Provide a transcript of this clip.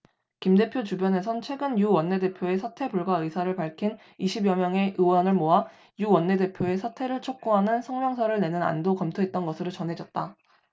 김 대표 주변에선 최근 유 원내대표의 사퇴 불가 의사를 밝힌 이십 여 명의 의원을 모아 유 원내대표의 사퇴를 촉구하는 성명서를 내는 안도 검토했던 것으로 전해졌다